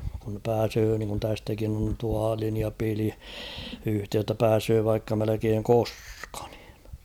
kun pääsee niin kuin tästäkin on tuo - linjapiiliyhteys jotta pääsee vaikka melkein koska niin